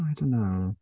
I dunno...